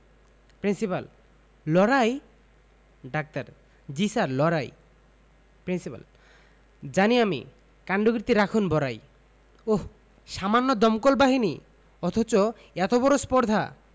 principal লড়াই ডাক্তার জ্বী স্যার লড়াই প্রিন্সিপাল জানি আমি কাণ্ডকীর্তি রাখুন বড়াই ওহ্ সামান্য দমকল বাহিনী অথচ এত বড় স্পর্ধা